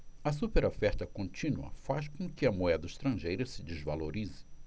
a superoferta contínua faz com que a moeda estrangeira se desvalorize